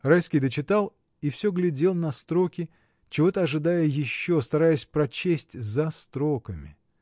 Райский дочитал — и всё глядел на строки, чего-то ожидая еще, стараясь прочесть за строками.